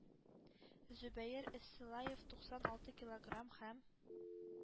Зөбәер Эсселаев туксан алты киллограм һәм